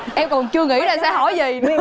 em còn chưa nghỉ ra sẻ hỏi gì nửa